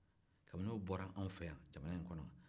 kabini o bɔra anw fɛ yan jamana in kɔnɔ